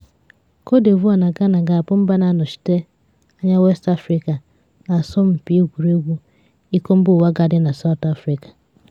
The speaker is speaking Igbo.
Côte D'Ivoire na Ghana ga-abụ mba na-anọchite anya West Afrịka n'asọmpi egwuregwu iko mba ụwa ga-adị na South Afrịka.